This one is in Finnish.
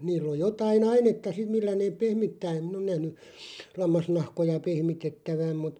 niillä on jotakin ainetta sitten millä ne pehmittää en minä ole nähnyt lammasnahkoja pehmitettävän mutta